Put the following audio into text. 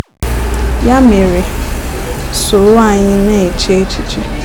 Ya mere, soro anyị na-eche echiche!